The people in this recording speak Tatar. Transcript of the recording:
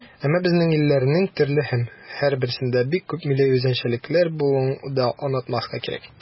Әмма безнең илләрнең төрле һәм һәрберсендә бик күп милли үзенчәлекләр булуын да онытмаска кирәк.